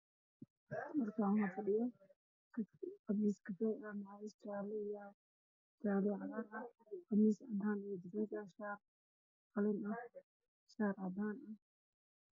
Niman masaajid fadhiyaan mid khamiista qabo